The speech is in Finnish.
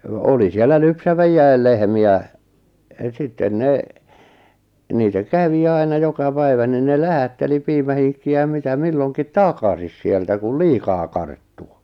oli siellä lypsäväkin lehmiä sitten ne niitä kävi aina joka päivä niin ne lähetteli piimähinkkiä ja mitä milloinkin takaisin sieltä kun liikaa karttui